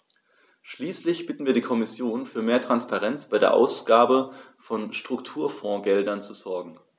Schließlich bitten wir die Kommission, für mehr Transparenz bei der Ausgabe von Strukturfondsgeldern zu sorgen.